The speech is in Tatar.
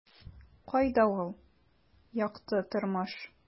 Кайда ул - якты тормыш? ..